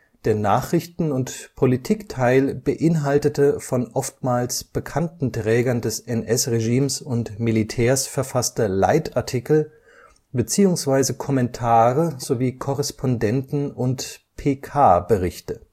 Der Nachrichten - und Politikteil beinhaltete von oftmals bekannten Trägern des NS-Regimes und Militärs verfasste Leitartikel beziehungsweise Kommentare sowie Korrespondenten - und PK-Berichte